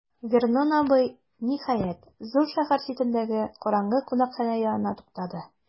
Вернон абый, ниһаять, зур шәһәр читендәге караңгы кунакханә янында туктады.